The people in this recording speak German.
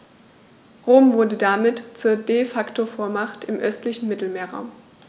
Rom wurde damit zur ‚De-Facto-Vormacht‘ im östlichen Mittelmeerraum.